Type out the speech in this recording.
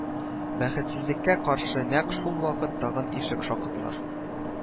Бәхетсезлеккә каршы, нәкъ шул вакыт тагын ишек шакыдылар